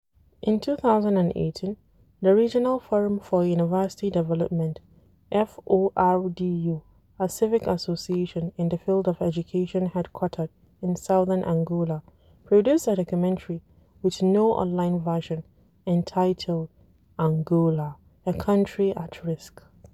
In 2018, the Regional Forum for University Development (FORDU), a civic association in the field of education headquartered in southern Angola, produced a documentary (with no online version) entitled “Angola, a country at risk”.